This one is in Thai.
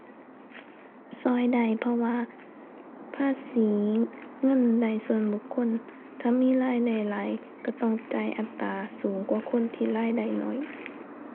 ช่วยได้เพราะว่าภาษีเงินได้ส่วนบุคคล ถ้ามีรายได้หลาย ช่วยต้องจ่ายอัตราสูงกว่าคนที่รายได้น้อย